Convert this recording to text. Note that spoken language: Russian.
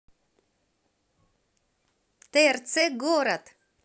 трц город